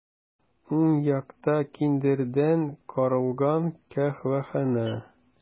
Уң якта киндердән корылган каһвәханә.